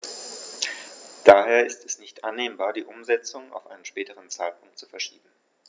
Daher ist es nicht annehmbar, die Umsetzung auf einen späteren Zeitpunkt zu verschieben.